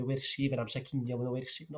o wersi hy' bo'n amsar cinio ma' 'na wersi